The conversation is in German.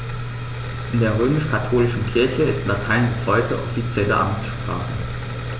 In der römisch-katholischen Kirche ist Latein bis heute offizielle Amtssprache.